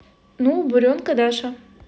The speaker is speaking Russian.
ну буренка даша